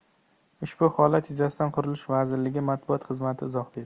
ushbu holat yuzasidan qurilish vazirligi matbuot xizmati izoh berdi